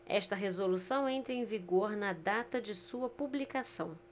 esta resolução entra em vigor na data de sua publicação